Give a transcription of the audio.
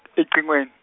ecingwen-.